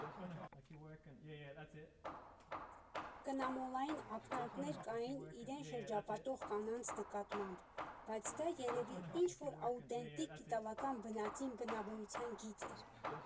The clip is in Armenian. Կնամոլային ակնարկներ կային իրեն շրջապատող կանանց նկատմամբ, բայց դա երևի ինչ֊որ աուտենտիկ իտալական բնածին բնավորության գիծ էր։